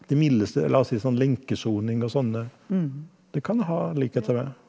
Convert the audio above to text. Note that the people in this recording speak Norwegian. det mildeste, la oss si sånn lenkesoning og sånne, det kan ha likheter ved det.